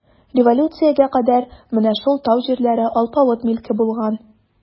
Революциягә кадәр менә шул тау җирләре алпавыт милке булган.